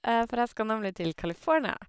For jeg skal nemlig til California.